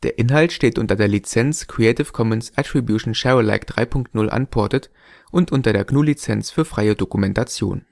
Inhalt steht unter der Lizenz Creative Commons Attribution Share Alike 3 Punkt 0 Unported und unter der GNU Lizenz für freie Dokumentation